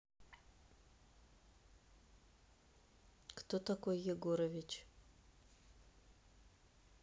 кто такой егорович